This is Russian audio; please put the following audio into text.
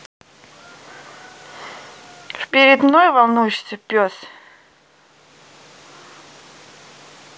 вперед мной волнуешься пес